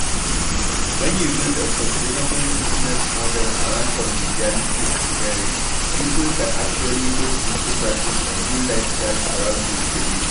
When you build a sustainable business model around conviviality and sharing, people can actually put into practice a new lifestyle around this belief.